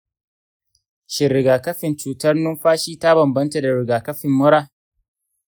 shin rigakafin cutar numfashi ta bambanta da rigakafin mura?